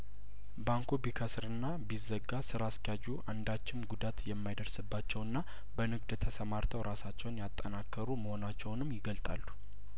ባንኩ ቢከስርና ቢዘጋ ስራ አስኪያጁ አንዳችም ጉዳት የማይደርስ ባቸውና በንግድ ተሰማርተው ራሳቸውን ያጠናከሩ መሆናቸውንም ይገልጣሉ